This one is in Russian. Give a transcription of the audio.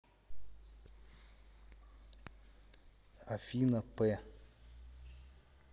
afina п